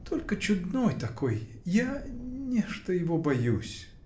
Только чудной такой: я нешто его боюсь!